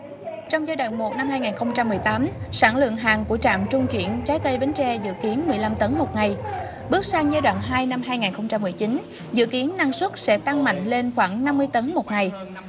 trong giai đoạn một năm hai ngàn không trăm mười tám sản lựng hàng của trạm trung chuyển trái cây bến tre dự kín mừi lăm tấn một ngày bức sang giai đoạn hai năm hai ngàn không trăm mười chín dự kín năng suất sẽ tăng mạnh lên khoảng năm mưi tấn một ngày